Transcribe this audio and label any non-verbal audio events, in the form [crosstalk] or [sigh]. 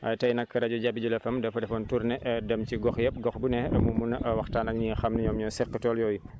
tey nag radio Jabi jula FM dafa defoon tournée [hesitation] dem ci [noise] gox yëpp gox bu ne mu mun a waxtaan ak ñi nga xam ñoom ñoo seq tool yooyu